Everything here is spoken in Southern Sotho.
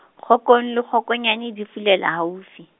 kgokong le kgokonyane di fulela haufi.